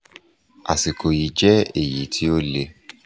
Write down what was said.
Àsìkò yìí jẹ́ èyí tí ó le.